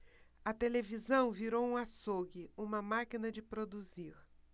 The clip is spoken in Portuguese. a televisão virou um açougue uma máquina de produzir